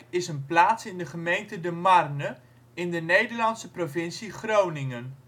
is een plaats in de gemeente De Marne in de Nederlandse provincie Groningen